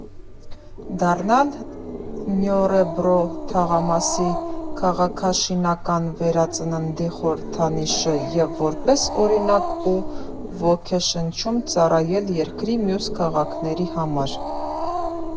Դառնալ Նյորեբրո թաղամասի քաղաքաշինական վերածննդի խորհրդանիշը և որպես օրինակ ու ոգեշնչում ծառայել երկրի մյուս քաղաքների համար։